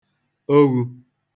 oghū